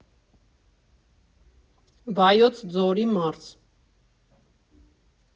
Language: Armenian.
Վայոց Ձորի մարզ։